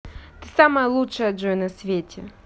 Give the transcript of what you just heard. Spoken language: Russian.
ты самая лучшая джой на свете